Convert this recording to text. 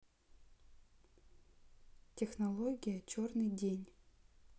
технология черный день